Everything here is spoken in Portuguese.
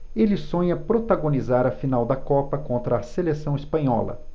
ele sonha protagonizar a final da copa contra a seleção espanhola